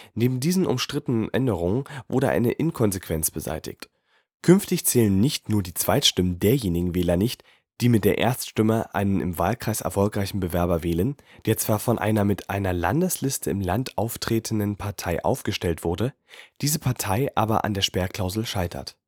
Neben diesen umstrittenen Änderungen wurde eine Inkonsistenz beseitigt. Künftig zählen nicht nur die Zweitstimmen derjenigen Wähler nicht, die mit der Erststimme einen im Wahlkreis erfolgreichen Bewerber wählen, der zwar von einer mit einer Landesliste im Land auftretenden Partei aufgestellt wurde, diese Partei aber an der Sperrklausel scheitert